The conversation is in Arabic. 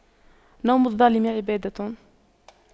نوم الظالم عبادة